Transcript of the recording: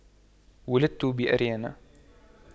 ولدت بأريانا